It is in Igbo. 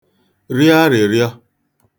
rịọ arị̀rịọ